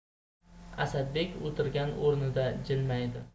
asadbek o'tirgan o'rnida jilmaydi